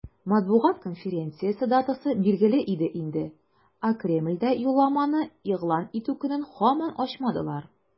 Матбугат конференциясе датасы билгеле иде инде, ә Кремльдә юлламаны игълан итү көнен һаман ачмадылар.